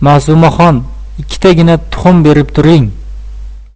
ma'sumaxon ikkitagina tuxum berib turing